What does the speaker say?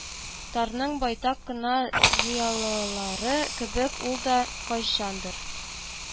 Тарның байтак кына зыялылары кебек, ул да кайчандыр